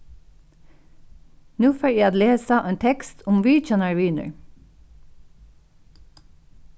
nú fari at eg lesa ein tekst um vitjanarvinir